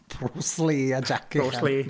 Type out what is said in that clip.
Bruce Lee a Jackie 'chan... Bruce Lee